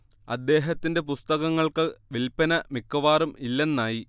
അദ്ദേഹത്തിന്റെ പുസ്തകങ്ങൾക്ക് വില്പന മിക്കവാറും ഇല്ലെന്നായി